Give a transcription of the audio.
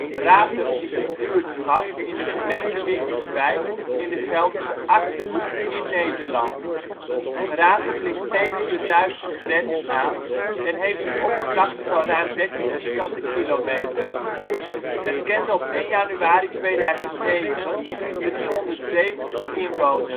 Ratum is een buurtschap in de gemeente Winterswijk in de Gelderse Achterhoek, in Nederland. Ratum ligt tegen de Duitse grens aan en heeft een oppervlakte van ruim 13 km². Het kende op 1 januari 2009 370 inwoners. Het